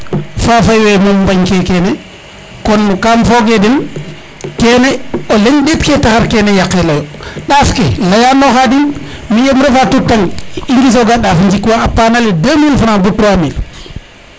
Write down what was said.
fafaey we moom mbañ ke kene kon kam foge den kene o leŋ ndeet ke taxar kene yaqeloyo ndaaf ke leyano Khadim mi yem refa tutank i ngisoga a ndaaf njikwa a panale 2000 frans bo 3000